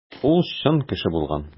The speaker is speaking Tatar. Ул чын кеше булган.